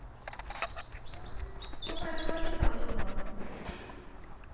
я провела лето очень классно